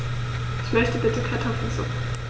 Ich möchte bitte Kartoffelsuppe.